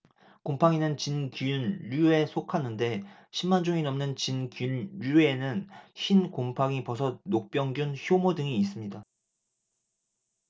곰팡이는 진균류에 속하는데 십 만 종이 넘는 진균류에는 흰곰팡이 버섯 녹병균 효모 등이 있습니다